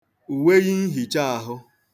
ùweyinfìcheāhụ̄